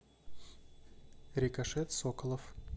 рикошет соколов